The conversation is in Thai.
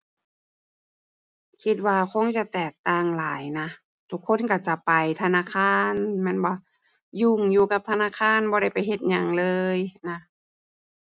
คิดว่าคงจะแตกต่างหลายนะ ทุกคนก็จะไปธนาคารแม่นบ่ ยุ่งอยู่กับธนาคารบ่ได้ไปเฮ็ดหยังเลยนะ